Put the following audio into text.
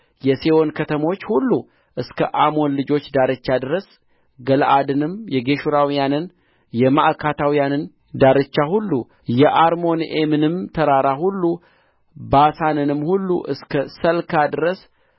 የሴዎን ከተሞች ሁሉ እስከ አሞን ልጆች ዳርቻ ድረስ ገለዓድንም የጌሹራውያንንና የማዕካታውያንን ዳርቻ ሁሉ የአርሞንዔምንም ተራራ ሁሉ ባሳንንም ሁሉ እስከ ሰልካ ድረስ